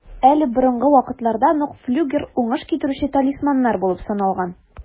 Әле борынгы вакытлардан ук флюгер уңыш китерүче талисманнар булып саналган.